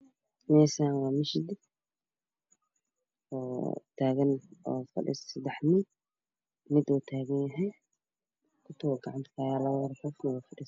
Meeshaan waa masjid oo taagan oo fadhiyo saddex nin. mid wuu taagan kutubow gacanta ku haayaa labana dhulkay fadhisaa.